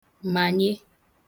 mànye